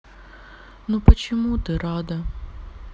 ну почему ты рада